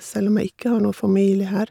Selv om jeg ikke har noe familie her.